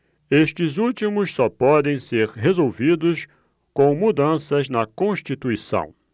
estes últimos só podem ser resolvidos com mudanças na constituição